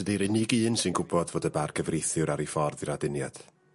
...ydi'r unig un sy'n gwbod fod y bargyfreithiwr ar ei ffordd i'r aduniad.